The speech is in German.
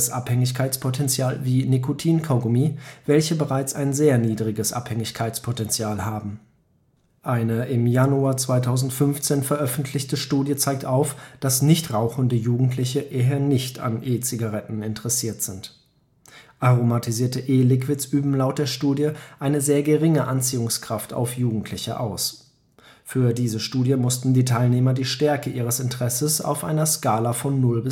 Abhängigkeitspotential wie Nikotinkaugummi, welche bereits ein sehr niedriges Abhängigkeitspotential haben. Eine im Januar 2015 veröffentlichte Studie zeigt auf, dass nichtrauchende Jugendliche eher nicht an E-Zigaretten interessiert sind. Aromatisierte E-Liquids üben laut der Studie eine sehr geringe Anziehungskraft auf Jugendliche aus. Für diese Studie mussten die Teilnehmer die Stärke ihres Interesses auf einer Skala von